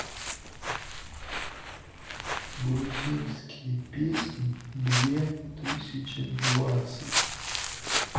грузинские песни две тысячи двадцать